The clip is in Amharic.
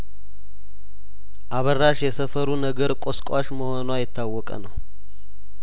አበራሽ የሰፈሩ ነገር ቆስቋሽ መሆኗ የታወቀ ነው